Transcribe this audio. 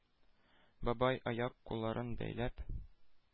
Бабай, аяк-кулларын бәйләп,